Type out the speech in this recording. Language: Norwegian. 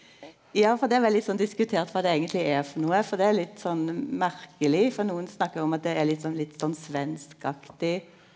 ja for det er vel litt sånn diskutert kva det eigentleg er for noko for det er litt sånn merkeleg for nokon snakkar om at det er liksom litt sånn svenskaktig.